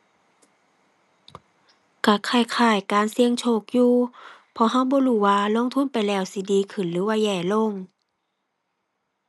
ก็คล้ายคล้ายการเสี่ยงโชคอยู่ เพราะก็บ่รู้ว่าลงทุนไปแล้วสิดีขึ้นหรือว่าแย่ลง